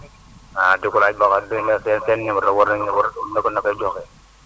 ah di ko laaj ba xam duén seen seen numéro war nañu war ne ko na koy joxe